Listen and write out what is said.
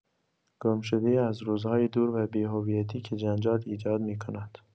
گمشده‌ای از روزهای دور و بی‌هویتی که جنجال ایجاد می‌کند.